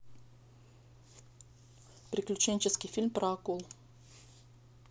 приключенческий фильм про акул